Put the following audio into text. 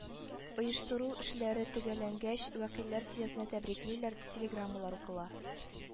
Оештыру эшләре төгәлләнгәч, вәкилләр съездны тәбриклиләр, телеграммалар укыла